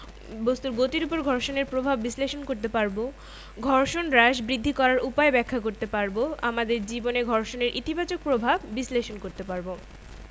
বস্তুর জড়তা ও বলের গুণগত ধারণা নিউটনের গতির প্রথম সূত্র ব্যবহার করে ব্যাখ্যা করতে পারব মৌলিক বলের প্রকৃতি ব্যাখ্যা করতে পারব সাম্য ও অসাম্য বলের প্রভাব ব্যাখ্যা করতে পারব